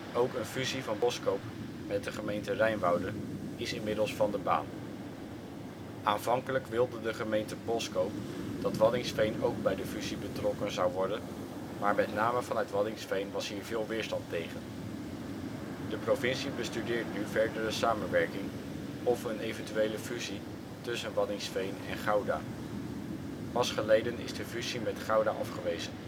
Ook een fusie van Boskoop met de gemeente Rijnwoude is inmiddels van de baan. Aanvankelijk wilde de gemeente Boskoop dat Waddinxveen ook bij de fusie betrokken zou worden, maar met name vanuit Waddinxveen was hier veel weerstand tegen. De provincie bestudeert nu verdere samenwerking of een eventuele fusie tussen Waddinxveen en Gouda. Pas geleden is de fusie met Gouda afgewezen